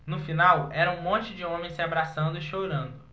no final era um monte de homens se abraçando e chorando